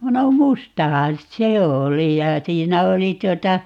no mustahan se oli ja siinä oli tuota